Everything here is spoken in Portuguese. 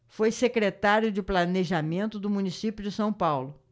foi secretário de planejamento do município de são paulo